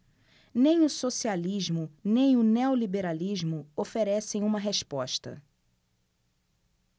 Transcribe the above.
nem o socialismo nem o neoliberalismo oferecem uma resposta